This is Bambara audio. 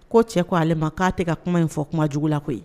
Ko cɛ ko ale ma k ko'a tɛ ka kuma in fɔ kuma jugu la koyi koyi